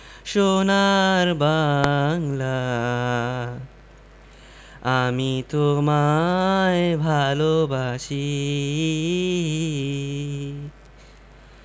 সোনার বাংলা আমি তোমায় ভালবাসি